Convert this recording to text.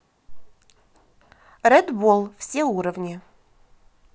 рэд бол все уровни